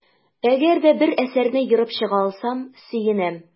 Әгәр дә бер әсәрне ерып чыга алсам, сөенәм.